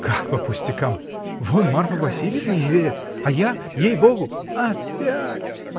— Как по пустякам: вон Марфа Васильевна не верят! а я, ей-богу. — Опять!